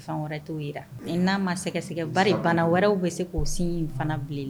Wɛrɛ n'a ma sɛgɛsɛgɛ ba de bana wɛrɛ bɛ k'o sin in fana bilenla